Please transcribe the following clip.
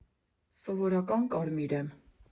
֊ Սովորական կարմիր եմ։